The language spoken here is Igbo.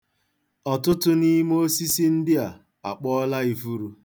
Ọtụtụ n'ime osisi ndị a akpọọla ifuru.